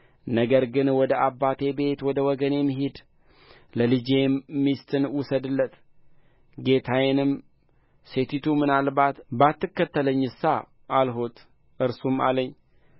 ነገር ግን ወደ አባቴ ቤት ወደ ወገኔም ሂድ ለልጄም ሚስትን ውሰድለት ጌታዬንም ሴቲቱ ምናልባት ባትከተለኝሳ አልሁት እርሱም አለኝ